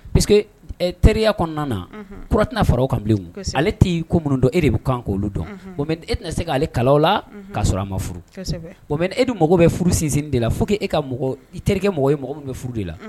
P que teriya kɔnɔna na p tɛna fara ale t'i ko minnu don e de bɛ kan k' olu dɔn e tɛna seale kalalaw la ka sɔrɔ a ma furu mɛ edu mako bɛ furu sinsin de la fo k' ee ka i terikɛ mɔgɔ ye mɔgɔ min bɛ furu de la